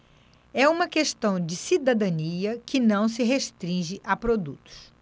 é uma questão de cidadania que não se restringe a produtos